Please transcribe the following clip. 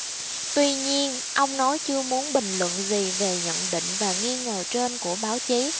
tuy nhiên ông nói chưa muốn bình luận gì về nhận định và nghi ngờ trên của báo chí